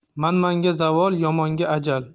manmanga zavol yomonga ajal